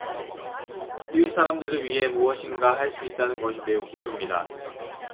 이웃 사람들을 위해 무엇인가 할 수 있다는 것이 매우 기쁩니다